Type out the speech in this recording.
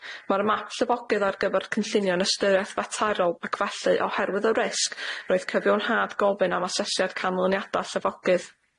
Mae'r map llyfogydd ar gyfer cynllunio'n ystyriaeth faterol ac felly oherwydd y risg, roedd cyfio'n nhad gofyn am asesiad canlyniadau llyfogydd.